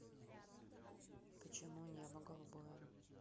почему небо голубое